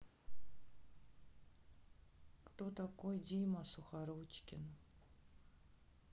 кто такой дима сухоручкин